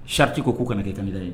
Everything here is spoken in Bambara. Hariti ko k'u kana kɛ kamilila ye